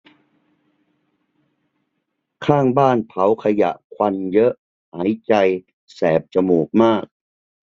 ข้างบ้านเผาขยะควันเยอะหายใจแสบจมูกมาก